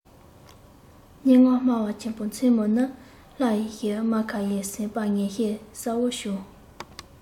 སྙན ངག སྨྲ བ ཆེན པོ མཚན མོ ནི ལྷ ཡི རྨ ཁ ཡིན ཟེར པར ངེས ཤེས གསལ བོ བྱུང